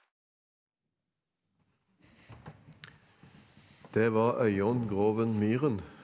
det var Øyonn Groven Myhren.